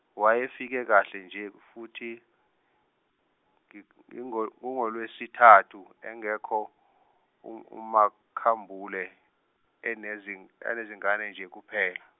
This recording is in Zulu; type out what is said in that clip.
wayefike kahle nje futhi, ng- ngingo- kungoLwesithathu engekho, u- umaKhambule, enezi- enezingane nje kuphela.